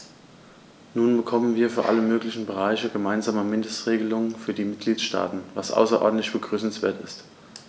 Nun bekommen wir für alle möglichen Bereiche gemeinsame Mindestregelungen für die Mitgliedstaaten, was außerordentlich begrüßenswert ist.